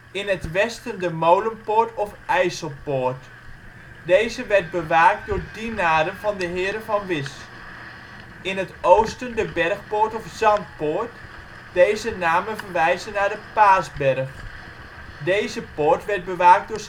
In het westen de Molenpoort of IJsselpoort. Deze werd bewaakt door dienaren van de heren van Wisch. In het oosten de Bergpoort of Zandpoort (deze namen verwijzen naar de Paasberg). Deze poort werd bewaakt door